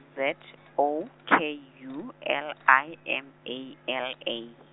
Z O K U L I M A L A.